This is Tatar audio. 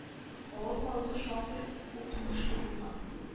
Авыл халкы шактый укымышлы булган